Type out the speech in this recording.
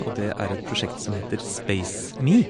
Og det er et prosjekt som heter Space Me.